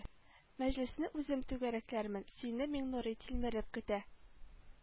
Мәҗлесне үзем түгәрәкләрмен сине миңнурый тилмереп көтә